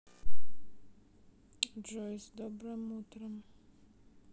джой с добрым утром